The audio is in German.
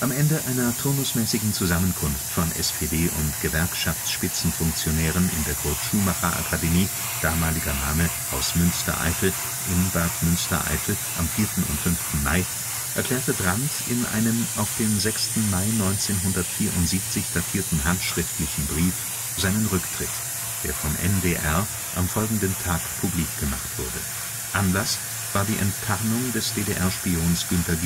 Ende einer turnusmäßigen Zusammenkunft von SPD und Gewerkschaftsspitzenfunktionären in der Kurt-Schumacher-Akademie (damaliger Name " Haus Münstereifel ") in Bad Münstereifel am 4. und 5. Mai erklärte Brandt in einem auf den 6. Mai 1974 datierten handschriftlichen Brief seinen Rücktritt, der vom NDR am folgenden Tag publik gemacht wurde. Anlass war die Enttarnung des DDR-Spions Günter Guillaume